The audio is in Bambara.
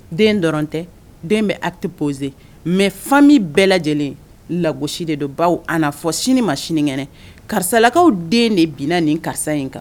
Den dɔrɔn tɛ den bɛ atipɔozse mɛ fan min bɛɛ lajɛlen lagosi de don baw aa fɔ sini ma sinikɛnɛ karisalakaw den de binna nin karisa in kan